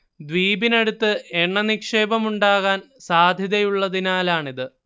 ദ്വീപിനടുത്ത് എണ്ണ നിക്ഷേപം ഉണ്ടാകാൻ സാദ്ധ്യതയുള്ളതിനാലാണിത്